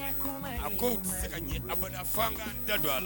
A se ka ɲɛ da don a la